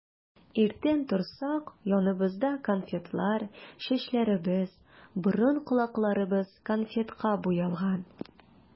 Иртән торсак, яныбызда конфетлар, чәчләребез, борын-колакларыбыз конфетка буялган.